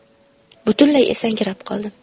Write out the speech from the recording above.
butunlay esankirab qoldim